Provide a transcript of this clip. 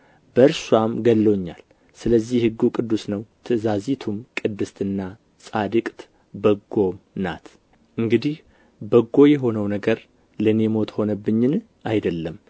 በእርስዋም ገድሎኛል ስለዚህ ሕጉ ቅዱስ ነው ትእዛዚቱም ቅድስትና ጻድቅት በጎም ናት እንግዲህ በጎ የሆነው ነገር ለእኔ ሞት ሆነብኝን አይደለም